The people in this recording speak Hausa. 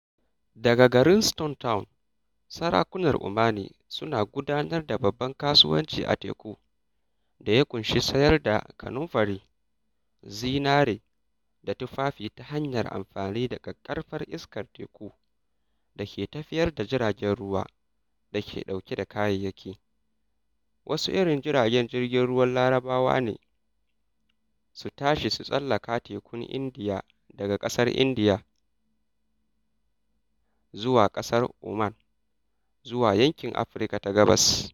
Daga garin Stone Town, sarakunan Omani suna gudanar da babban kasuwanci a teku da ya ƙunshi sayar da kanunfari, zinare da tufafi ta hanyar amfani da ƙaƙƙarfar iskar teku da ke tafiyar da jiragen ruwan da ke ɗauke da kayayyaki - wasu irin jiragen ruwan Larabawa ne - su tashi su tsallaka Tekun Indiya daga ƙasar Indiya zuwa ƙasar Oman zuwa yankin Afirka ta Gabas.